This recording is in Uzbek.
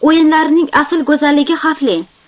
o'yinlarining asl go'zalligi xavfli